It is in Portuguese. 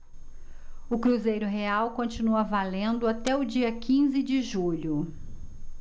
o cruzeiro real continua valendo até o dia quinze de julho